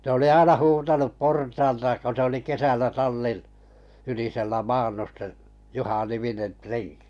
se oli aina huutanut portaalta kun se oli kesällä tallin ylisellä maannut se Juha-niminen renki